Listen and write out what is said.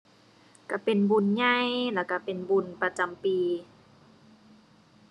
ก็เป็นบุญใหญ่แล้วก็เป็นบุญประจำปี